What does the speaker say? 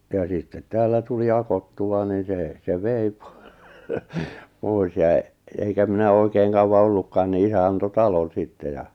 ja sitten täällä tuli akoittua niin se se vei - pois ja enkä minä oikein kauan ollutkaan niin isä antoi talon sitten ja